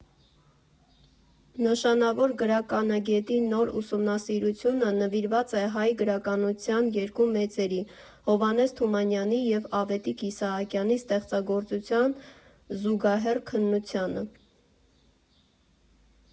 Նշանավոր գրականագետի նոր ուսումնասիրությունը նվիրված է հայ գրականության երկու մեծերի՝ Հովհաննես Թումանյանի և Ավետիք Իսահակյանի ստեղծագործության զուգահեռ քննությանը։